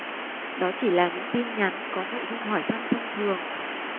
đó chỉ là những tin nhắn có nội dung hỏi thăm thông thường